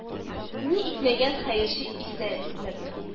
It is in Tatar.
Ни итмәгән, хәерче, иснәнеп